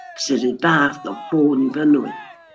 Sydd yr un fath o Fôn i Fynwy.